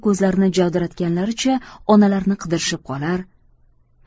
ko'zlarini jovdiratganlaricha onalarini qidirishib qolar